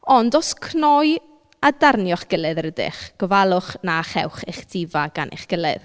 Ond os cnoi a darnio'ch gilydd yr ydych gofalwch na chewch eich difa gan eich gilydd.